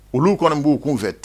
Olu kɔnni b'u kun fɛ